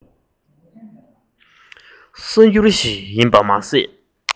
གསར འགྱུར ཞིག ཡིན པ མ ཟད